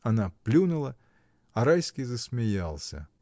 Она плюнула, а Райский засмеялся.